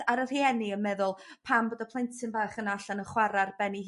ar rhieni yn meddwl pam fod y plentyn bach yn allan yn chwara ar ben 'i